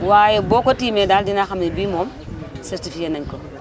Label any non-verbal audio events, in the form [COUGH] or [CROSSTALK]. waaye boo ko tiimee daal dinaa xam ne bii moom [CROSSTALK] certifié naén ko